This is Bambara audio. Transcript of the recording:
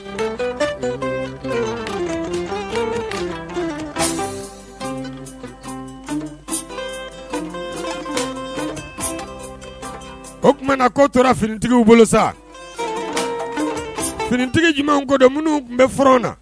O tumaumana na k'o tora finitigi bolo sa finitigi jumɛn koda minnu tun bɛ f na